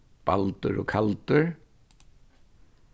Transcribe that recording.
baldur og kaldur